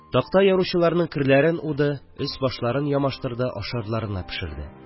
Такта яручыларның керләрен уды, өс-башларын ямаштырды, ашарларына пешерде.